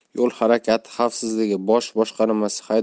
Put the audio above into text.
yo'l harakati xavfsizligi bosh boshqarmasi